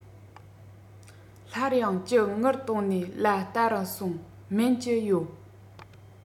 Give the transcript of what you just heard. སླར ཡང ཀྱི དངུལ བཏོན ནས ལ བལྟ རུ སོང སྨད ཀྱི ཡོད